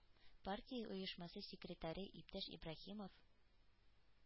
Партия оешмасы секретаре иптәш Ибраһимов